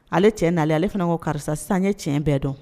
Ale cɛ naani ale fana ko karisa san tiɲɛ bɛɛ dɔn